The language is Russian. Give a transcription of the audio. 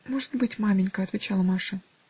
"Может быть, маменька", -- отвечала Маша.